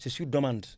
c' est sur demande